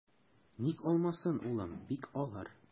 Ник алмасын, улым, бик алыр.